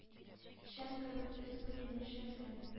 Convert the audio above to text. Шәм кебек төз буе, нишләсен?